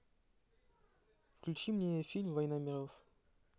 включи мне фильм война миров